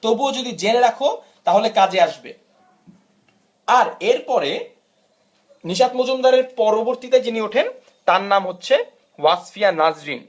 তবু যদি জেনে রাখ তাহলে কাজে আসবে আর এর পরে নিশাত মজুমদারের পরবর্তীতে যিনি ওঠেন তার নাম হচ্ছে ওয়াসফিয়া নাজরীন